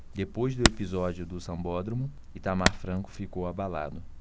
depois do episódio do sambódromo itamar franco ficou abalado